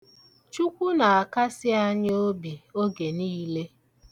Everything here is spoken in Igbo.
Chukwu na-akasi anyị obi oge niile.